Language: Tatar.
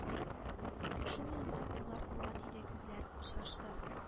Шул минутта куллар кулга тиде күзләр очрашты